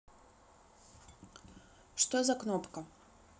что за кнопка